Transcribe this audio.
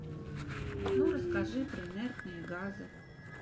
ну расскажи про инертные газы